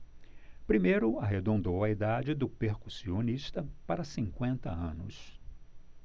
primeiro arredondou a idade do percussionista para cinquenta anos